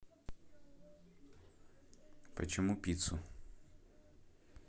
почему пиццу